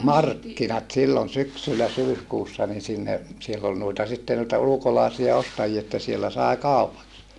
markkinat silloin syksyllä syyskuussa niin sinne siellä oli noita sitten noita ulkolaisia ostajia että siellä sai kaupaksi